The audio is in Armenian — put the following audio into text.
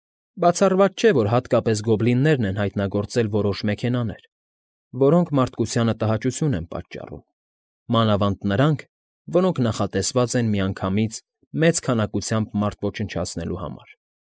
Բացառված չէ, որ հատկապես գոբլիններն են հայտնագործել որոշ մեքենաներ, որոնք մարդկությանը տհաճություն են պատճառում, մանավանդ նրանք, որոնք նախատեսված են միանգամից մեծ քանակությամբ մարդ ոչնչացնելու համար։